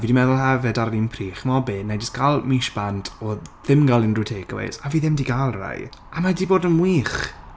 Fi di meddwl hefyd ar yr un pryd "chimod be wna i jyst gael mis bant o ddim gael unrhyw takeaways" a fi ddim di gael rhai a mae 'di bod yn wych.